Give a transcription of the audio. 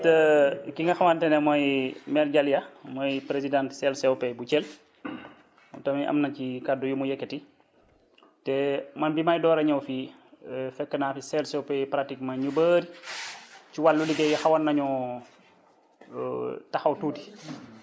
am tamit ki nga xamante ne mooy mère Djaliya mooy présidente CLCOP bu Thiel moom tamit am na ci kàddu yu mu yëkkati te man bi may door a ñëw fii fekk naa fi CLCOP yi pratiquement ñu bëri ci wàllu liggéey yi xawoon nañoo taxaw tuuti